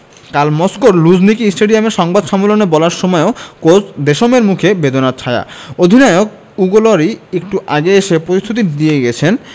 কাল মস্কোর লুঝনিকি স্টেডিয়ামের সংবাদ সম্মেলনে বলার সময়ও কোচ দেশমের মুখে বেদনার ছায়া অধিনায়ক উগো লরি একটু আগে এসে প্রতিশ্রুতি দিয়ে গেছেন